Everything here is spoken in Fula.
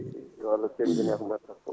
yo Allah selline e ko batta ko